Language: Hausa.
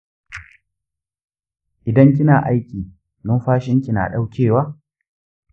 idan kina aiki numfashinki na daukewa?